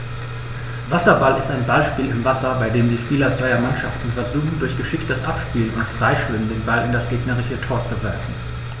Wasserball ist ein Ballspiel im Wasser, bei dem die Spieler zweier Mannschaften versuchen, durch geschicktes Abspielen und Freischwimmen den Ball in das gegnerische Tor zu werfen.